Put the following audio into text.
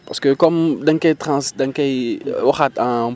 parce que comme da nga koy trans da nga koy waxaat en